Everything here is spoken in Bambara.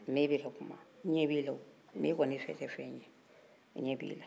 mɛ e bɛ ka kuma ɲɛ b'e la o mɛ e kɔni tɛ fɛn ye ɲɛ b'e la